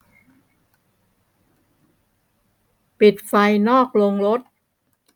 ปิดไฟนอกโรงรถ